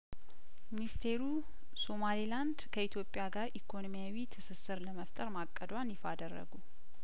ሚኒስቴሩ ሶማሌ ላንድ ከኢትዮጵያ ጋር ኢኮኖሚያዊ ትስስር ለመፍጠር ማቀዷን ይፋ አደረጉ